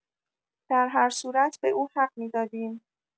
در هر صورت به او حق می‌دادیم.